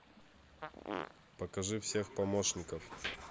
покажи всех помощников